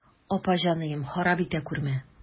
Апа җаныем, харап итә күрмә.